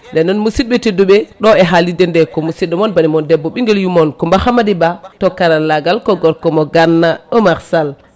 nden noon musidɓe teddɓe ɗo e haalirde nde ko musidɗo moon banimon debbo ɓinguel yummon Coumba Hamady Ba to karallagal ko gorko mo ganna Oumar Sall